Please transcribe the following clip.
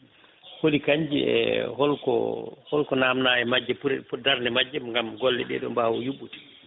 hooli kanji e holko holko namda e majje pour darde majje gam golleɗe ɗo mbawa yuɓɓude